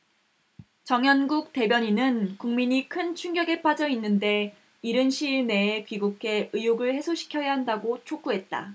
정연국 대변인은 국민이 큰 충격에 빠져 있는데 이른 시일 내에 귀국해 의혹을 해소시켜야 한다고 촉구했다